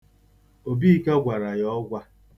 Obika gwara ya ọgwa.